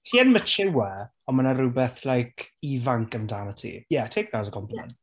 Ti yn mature, ond mae 'na rywbeth like ifanc amdano ti. Yeah, take that as a compliment... ie.